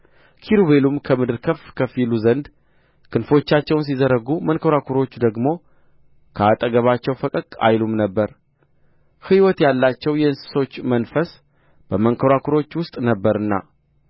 ኪሩቤልም ከምድር ከፍ ከፍ ይሉ ዘንድ ክንፎቻቸውን ሲዘረጉ መንኰራኵሮች ደግሞ ከአጠገባቸው ፈቀቅ አይሉም ነበር ሕይወት ያላቸው የእንስሶች መንፈስ በመንኰራኵሮች ውስጥ ነበረና